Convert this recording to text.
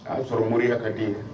A y'a sɔrɔ moriya ka di